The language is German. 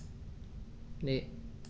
Ne.